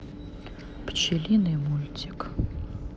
пчелиный мультик